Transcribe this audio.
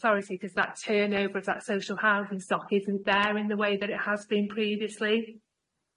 authority cause that turnover of that social housing stock isn't there in the way that it has been previously.